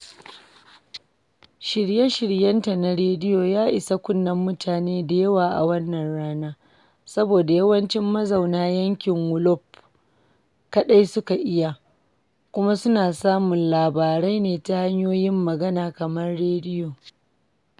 Shirye-shiryenta na rediyo ya isa kunnen mutane da yawa a wannan rana, saboda yawancin mazauna yankin Wolof kaɗai suka iya, kuma suna samun labarai ne ta hanyoyin magana kamar rediyo.